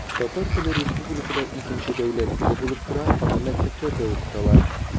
Татар теле республикада икенче дәүләт теле булып тора, аны мәктәпләрдә укыталар.